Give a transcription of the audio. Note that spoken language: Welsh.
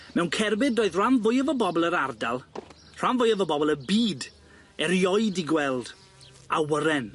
Mewn cerbyd doedd ran fwyaf o bobol yr ardal, rhan fwyaf o bobol y byd erioed 'di gweld. Awyren.